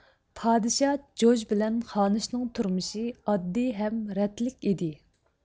پادىشاھ جوج بىلەن خانىشنىڭ تۇرمۇشى ئاددى ھەم رەتلىك ئىدى